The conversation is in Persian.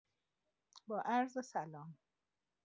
با عرض سلام.